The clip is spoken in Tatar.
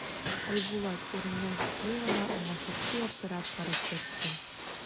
Айбулат, урыныннан купмый гына, аңа шактый аптырап карап ятты.